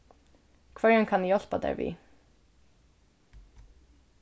hvørjum kann eg hjálpa tær við